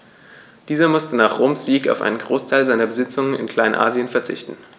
Dieser musste nach Roms Sieg auf einen Großteil seiner Besitzungen in Kleinasien verzichten.